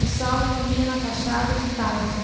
o sol ilumina a fachada de tarde